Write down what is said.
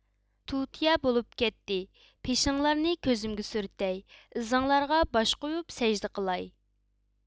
تۇتىيا بولۇپ كەتتى پېشىڭلارنى كۆزۈمگە سۈرتەي ئىزىڭلارغا باش قويۇپ سەجدە قىلاي